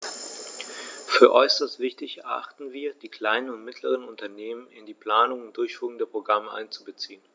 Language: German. Für äußerst wichtig erachten wir, die kleinen und mittleren Unternehmen in die Planung und Durchführung der Programme einzubeziehen.